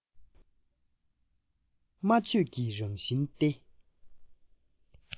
སྨྲ བརྗོད ཀྱི རང བཞིན ཏེ